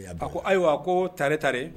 A ko ayiwa ko tare tare